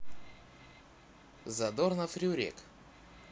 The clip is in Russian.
задорнов рюрик